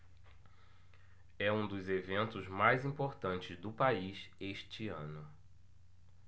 é um dos eventos mais importantes do país este ano